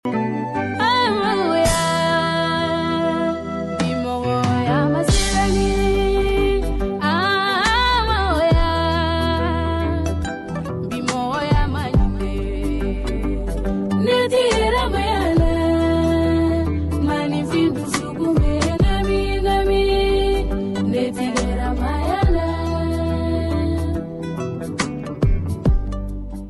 Gogodi masoninsonin lediya laban